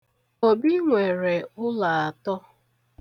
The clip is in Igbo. Obi nwere ụlọ atọ.